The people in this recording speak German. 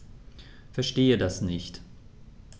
Verstehe das nicht.